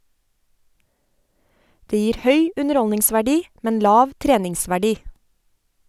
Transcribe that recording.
Det gir høy underholdningsverdi, men lav treningsverdi.